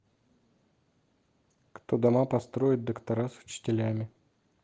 кто дома построит доктора с учителями